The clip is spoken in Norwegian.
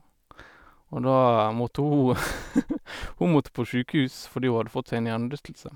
Og da måtte hun hun måtte på sjukehus fordi hun hadde fått seg en hjernerystelse.